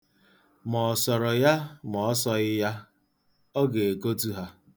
Ma ọ sọrọ ya ma ọ sọghị ya, ọ ga-ekotu ha.